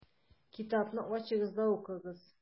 Китапны ачыгыз да укыгыз: